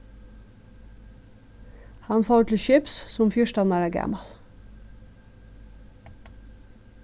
hann fór til skips sum fjúrtan ára gamal